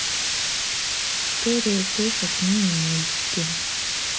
история игрушек мини мультики